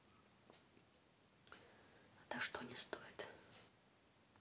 да что не стоит